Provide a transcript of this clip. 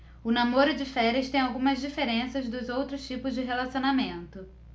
o namoro de férias tem algumas diferenças dos outros tipos de relacionamento